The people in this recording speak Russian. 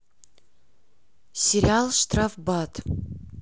сериал штрафбат